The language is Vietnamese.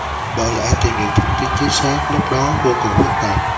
bởi lẽ tìm được thông tin chính xác lúc đó vô cùng phức tạp